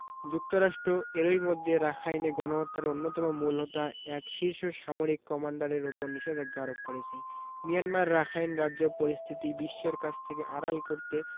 যুক্তরাষ্ট এরই মধ্যে রাখাইনে গণহত্যার অন্যতম মূল হোতা এক শীর্ষ সামরিক কমান্ডারের ওপর নিষেধাজ্ঞা আরোপ করেছে মিয়ানমার রাখাইন রাজ্য পরিস্থিতি বিশ্বের কাছ থেকে আড়াল করতে